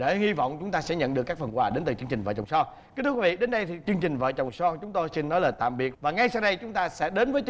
để hy vọng chúng ta sẽ nhận được các phần quà đến từ chương trình vợ chồng son kính thưa quý vị đến đây chương trình vợ chồng son chúng tôi xin nói lời tạm biệt và ngay sau đây chúng ta sẽ đến với